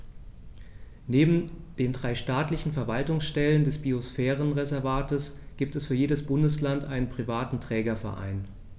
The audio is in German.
Neben den drei staatlichen Verwaltungsstellen des Biosphärenreservates gibt es für jedes Bundesland einen privaten Trägerverein.